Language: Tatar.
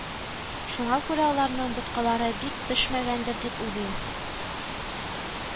Шуңа күрә аларның боткалары бик пешмәгәндер дип уйлыйм